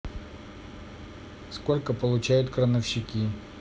сколько получают крановщики